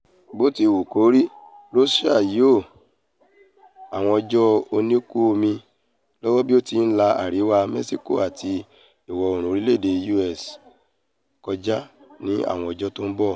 Bótiwùkórí, Rosa yóò àwọn òjò oníìkún omi lọ́wọ́ bí ó ti ńla àríwá Mẹ́ṣíkò àti ìwọ̀-oòrùn orílẹ̀-èdè U.S. kọ́ja ní àwọn ọjọ́ tó ḿbọ.